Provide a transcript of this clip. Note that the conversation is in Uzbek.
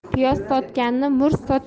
piyoz sotganning murch